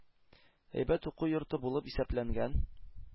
Әйбәт уку йорты булып исәпләнгән,